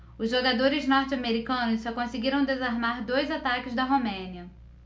os jogadores norte-americanos só conseguiram desarmar dois ataques da romênia